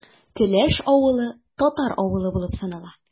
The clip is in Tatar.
Келәш авылы – татар авылы булып санала.